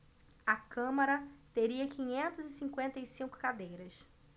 a câmara teria quinhentas e cinquenta e cinco cadeiras